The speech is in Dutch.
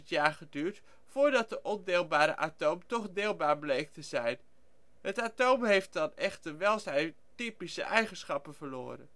jaar geduurd voordat het ondeelbare atoom toch deelbaar bleek te zijn. Het atoom heeft dan echter wel zijn typische eigenschappen verloren